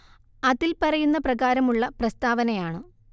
അതില്‍ പറയുന്ന പ്രകാരമുള്ള പ്രസ്താവനയാണ്